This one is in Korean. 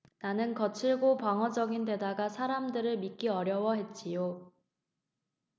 나는 거칠고 방어적인 데다가 다른 사람들을 믿기 어려워했지요